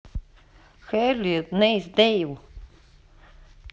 heavy nice day